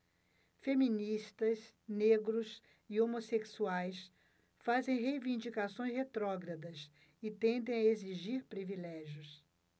feministas negros e homossexuais fazem reivindicações retrógradas e tendem a exigir privilégios